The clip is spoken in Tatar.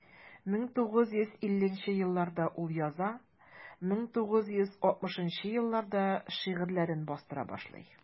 1950 елларда ул яза, 1960 елларда шигырьләрен бастыра башлый.